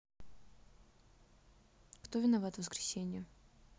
кто виноват воскресение